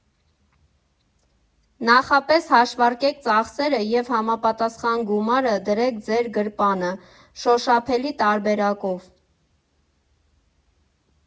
Նախապես հաշվարկեք ծախսերը և համապատասխան գումարը դրեք ձեր գրպանը՝ շոշափելի տարբերակով։